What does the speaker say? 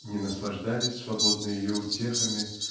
не наслаждались свободно ее утехами